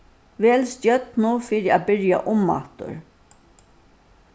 vel stjørnu fyri at byrja umaftur